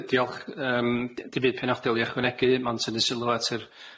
Ie dy- diolch yym d- dim byd penodol i ychwanegu ma'n tynnu sylw at yr